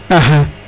axa